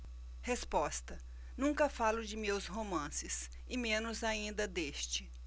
resposta nunca falo de meus romances e menos ainda deste